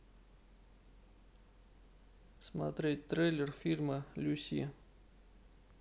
смотреть трейлер фильма люси